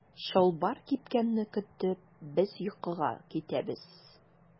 Чалбар кипкәнне көтеп без йокыга китәбез.